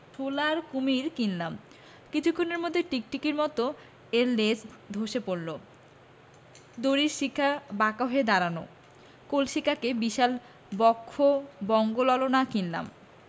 solar কুমীর কিনলীম কিছুক্ষণের মধ্যেই টিকটিকির মত এর ল্যাজ ধসে পড়ল দড়ির শিকা বাঁকা হয়ে দাঁড়ানো কলসি কাঁখে বিশালা বক্ষ বঙ্গ ললনা কিনলাম